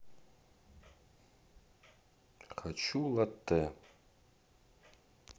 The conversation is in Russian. хочу латте